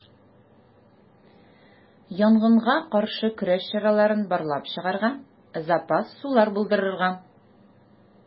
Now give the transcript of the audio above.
Янгынга каршы көрәш чараларын барлап чыгарга, запас сулар булдырырга.